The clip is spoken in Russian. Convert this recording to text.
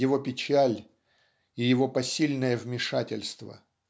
его печаль и его посильное вмешательство.